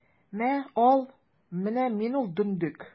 Мә, ал, менә мин ул дөндек!